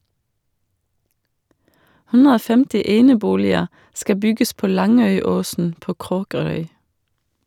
150 eneboliger skal bygges på Langøyåsen på Kråkerøy.